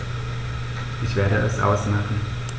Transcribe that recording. Ich werde es ausmachen